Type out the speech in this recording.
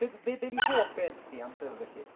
Be be be 'di hoff beth chdi am 'Steddfod felly?